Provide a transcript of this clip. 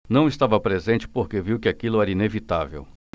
não estava presente porque viu que aquilo era inevitável